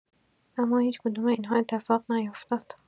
اما هیچ کدوم این‌ها اتفاق نیفتاد.